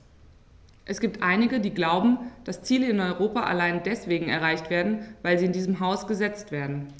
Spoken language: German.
Es gibt einige, die glauben, dass Ziele in Europa allein deswegen erreicht werden, weil sie in diesem Haus gesetzt werden.